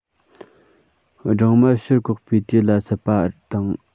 སྦྲང མ ཕྱིར གོག པའི དུས ལ བསད པ དང